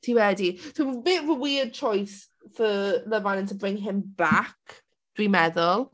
Ti wedi. So uh bit of a weird choice for Love Island to bring him back dwi'n meddwl.